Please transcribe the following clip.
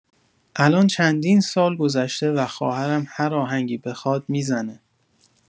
الان چندین سال‌گذشته و خواهرم هر آهنگی بخواد می‌زنه.